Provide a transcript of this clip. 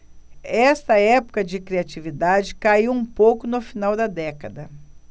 esta época de criatividade caiu um pouco no final da década